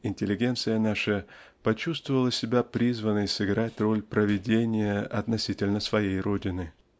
интеллигенция наша почувствовала себя призванной сыграть роль Провидения относительно своей родины.